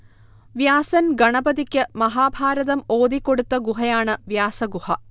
വ്യാസൻ ഗണപതിക്ക് മഹാഭാരതം ഓതിക്കൊടുത്ത ഗുഹയാണ് വ്യാസഗുഹ